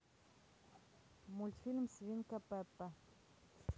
мультфильм свинка пеппа